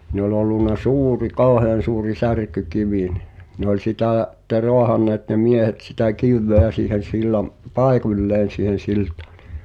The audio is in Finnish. niin oli ollut suuri kauhean suuri särkykivi niin ne oli sitä sitten raahanneet ne miehet sitä kiveä siihen - paikalleen siihen siltaan niin